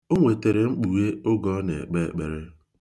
O nwetere mkpughe oge ọ na-ekpe ekpere.